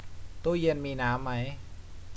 ตู้เย็นมีน้ำไหม